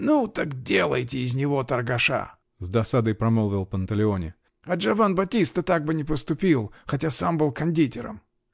-- Ну так делайте из него торгаша, -- с досадой промолвил Панталеоне, -- а Джиован Баттиста так бы не поступил, хотя сам был кондитером!